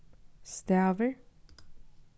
stavir